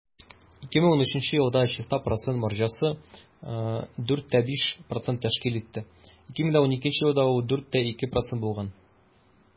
2013 елда чиста процент маржасы 4,5 % тәшкил итте, 2012 елда ул 4,2 % булган.